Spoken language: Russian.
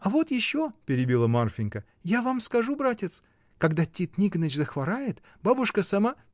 — А вот еще, — перебила Марфинька, — я вам скажу, братец: когда Тит Никоныч захворает, бабушка сама.